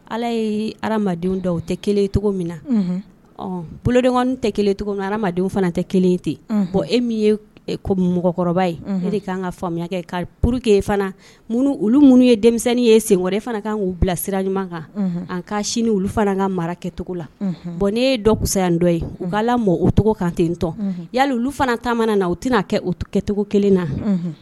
Ala yedenw tɛ kelen cogo min na boloden tɛdenw fana tɛ kelen ten bɔn e min ko mɔgɔkɔrɔba ye de' ka faamuyaya kɛ ka purke olu minnu ye denmisɛnnin ye sen wɛrɛ fana k''u bila sira ɲuman kan an k' sini olu fana ka mara kɛcogo la bɔn n ye dɔ kusa yan dɔ ye u ala cogo kan tɔn yali fana taama na u tɛna'a kɛ kɛcogo kelen na